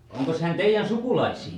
onkos hän teidän sukulaisia